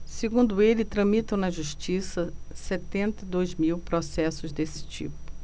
segundo ele tramitam na justiça setenta e dois mil processos desse tipo